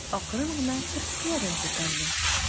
Кыз акрын гына керфекләрен күтәрде.